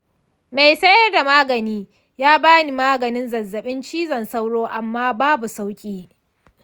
mai sayar da magani ya ba ni maganin zazzabin cizon sauro amma babu sauƙi.